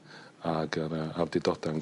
Ag yr yy awdurdoda' yn...